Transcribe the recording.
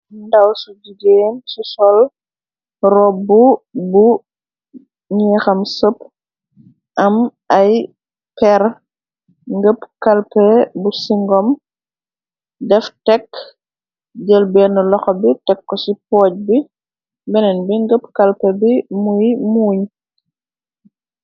Ndaw su jigéem su sol roubu bu neexam sep am ay perë ngep kalpe bu singom def tekk jël benn loxou bi tekko ci pooj bi beneen bi ngëpp kalpe bi muge muug.